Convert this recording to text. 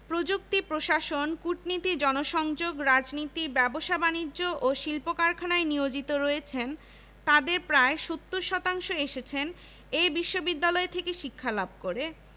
British কর্তৃক প্রবর্তিত শিক্ষা কার্যক্রম সাদরে গ্রহণের মাধ্যমে হিন্দু সম্প্রদায় সামাজিক ও রাজনৈতিক ক্ষেত্রে তাদের অগ্রযাত্রা অব্যাহত রাখতে সক্ষম হয়